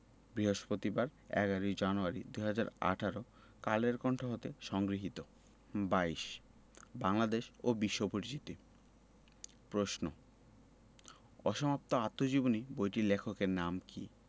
বৃহস্পতিবার ১১ জানুয়ারি ২০১৮ কালের কন্ঠ হতে সংগৃহীত ২২ বাংলাদেশ ও বিশ্ব পরিচিতি প্রশ্ন অসমাপ্ত আত্মজীবনী বইটির লেখকের নাম কী